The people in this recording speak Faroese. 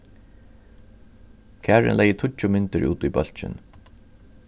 karin legði tíggju myndir út í bólkin